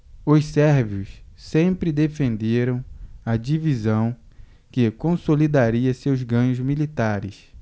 os sérvios sempre defenderam a divisão que consolidaria seus ganhos militares